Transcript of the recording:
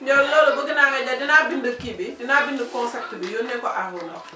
Ndiol loolu bëgg naa nga ja dinaa bind kii bi dinaa bind concept bi yónnee ko Arouna